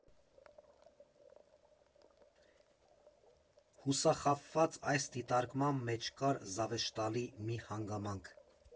Հուսախաբված այս դիտարկման մեջ կար զավեշտալի մի հանգամանք.